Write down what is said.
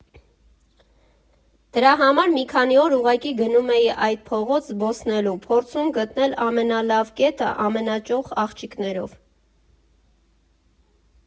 Դրա համար մի քանի օր ուղղակի գնում էի այդ փողոց զբոսնելու, փորձում գտնել ամենալավ կետը՝ «ամենաճոխ» աղջիկներով։